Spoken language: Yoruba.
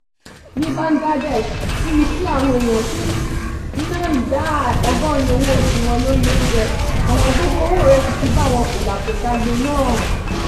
Ní Bangladesh, níbi tí àwọn èèyàn ti ń ná ìdá 80% owó oṣù wọn lórí oúnjẹ, ọ̀wọ́ngógó owó ìrẹsì ti ba àwọn kòlà-kòsagbe náà.